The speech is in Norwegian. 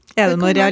det kan jeg.